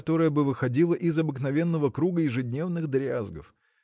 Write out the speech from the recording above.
которое бы выходило из обыкновенного круга ежедневных дрязгов?